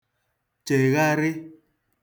chègharị